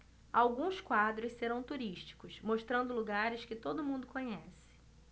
alguns quadros serão turísticos mostrando lugares que todo mundo conhece